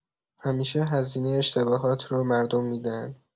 همیشه هزینه اشتباهات رو مردم می‌دن.